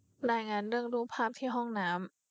รายงานเรื่องรูปภาพที่ห้องน้ำ